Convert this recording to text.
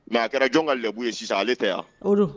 Mɛ a kɛra jɔn ka lɛbu ye sisan ale tɛ yan